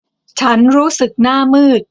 ฉันรู้สึกหน้ามืด